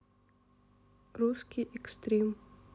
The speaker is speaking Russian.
русский экстрим